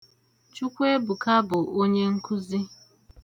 Chukwuebùka bụ onye nkụzi.